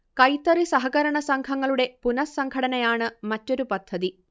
കൈത്തറി സഹകരണ സംഘങ്ങളുടെ പുനഃസംഘടനയാണ് മറ്റൊരു പദ്ധതി